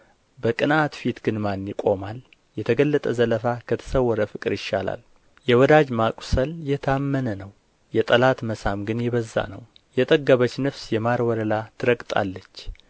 በቅንዓት ፊት ግን ማን ይቆማል የተገለጠ ዘለፋ ከተሰወረ ፍቅር ይሻላል የወዳጅ ማቍሰል የታመነ ነው የጠላት መሳም ግን የበዛ ነው የጠገበች ነፍስ የማር ወላላ ትረግጣለች